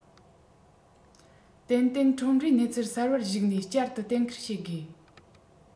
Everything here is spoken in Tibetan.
ཏན ཏན ཁྲོམ རའི གནས ཚུལ གསར པར གཞིགས ནས བསྐྱར དུ གཏན འཁེལ བྱེད དགོས